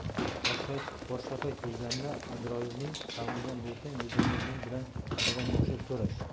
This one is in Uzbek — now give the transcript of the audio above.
boshqa payt bo'lganida azroilning qavmidan bo'lsang o'zingga men bilan odamga o'xshab so'rash